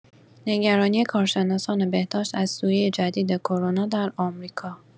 نگرانی کارشناسان بهداشت از سویه جدید کرونا در آمریکا